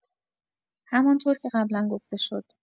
همان‌طور که قبلا گفته شد.